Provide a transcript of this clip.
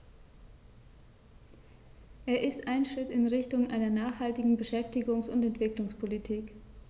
Er ist ein Schritt in Richtung einer nachhaltigen Beschäftigungs- und Entwicklungspolitik.